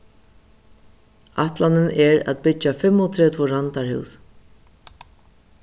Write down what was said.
ætlanin er at byggja fimmogtretivu randarhús